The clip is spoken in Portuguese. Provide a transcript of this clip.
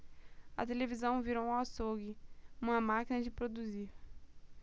a televisão virou um açougue uma máquina de produzir